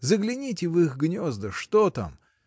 Загляните в их гнезда — что там?